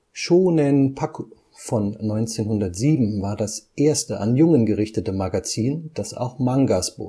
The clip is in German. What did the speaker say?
Shōnen Pakku von 1907 war das erste an Jungen gerichtete Magazin, das auch Mangas